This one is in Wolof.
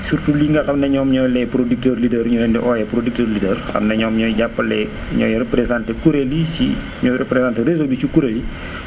surtout lii nga xam ne ñoom ñooy les producteurs leaders ñu leen di woowee producteurs leaders xam ne ñoom ñooy jàppale ñooy représenté kuréel yi ci ñooy représenté réseau bi ci kuréel yi